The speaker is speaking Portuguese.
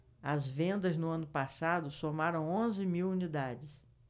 as vendas no ano passado somaram onze mil unidades